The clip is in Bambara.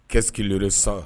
Qu'est ce qu'il resent